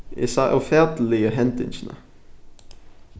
eg sá ófatiligu hendingina